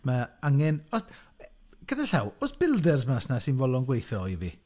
Mae angen... O gyda llaw, oes builders mas 'na sy'n fodlon gweithio i fi?